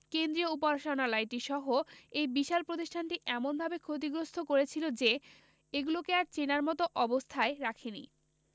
কেন্দ্রীয় উপাসনালয়টিসহ এই বিশাল প্রতিষ্ঠানটি এমনভাবে ক্ষতিগ্রস্থ করেছিল যে এগুলোকে আর চেনার মতো অবস্থায় রাখেনি